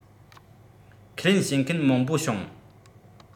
ཁས ལེན བྱེད མཁན མང པོ བྱུང